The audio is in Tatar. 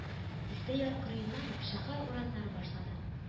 Өстә яр кырыеннан ук шәһәр урамнары башлана